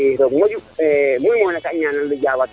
i roog moƴu mu mofona ka i ñana nang Diawa